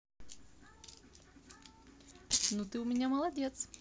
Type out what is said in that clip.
ну ты у меня молодец